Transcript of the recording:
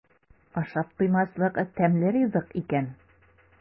Ашап туймаслык тәмле ризык икән.